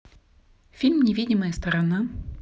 фильм невидимая сторона